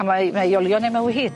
A mae mae 'i olion e 'my o hyd.